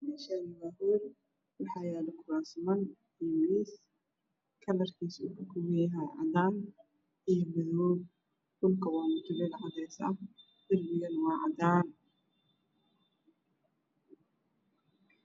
Meshani waa hool waxa yaalo kuraasman iyo miis kalarkiiso ka koban yahay cadan iyo madoow dhulku waa mutuleel cadees ah dirbiga waa cadaan